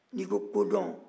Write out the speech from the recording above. n'i ko kodɔn